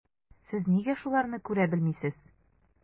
Сез нигә шуларны күрә белмисез?